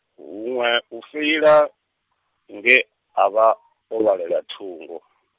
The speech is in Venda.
huṅwe u feila, nge a vha, o vhalela thungo .